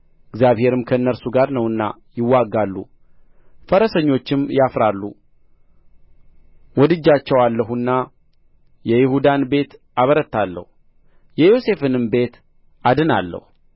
እግዚአብሔርም ከእነርሱ ጋር ነውና ይዋጋሉ ፈረሰኞችም ያፍራሉ ወድጃቸዋለሁና የይሁዳን ቤት አበረታለሁ የዮሴፍንም ቤት አድናለሁ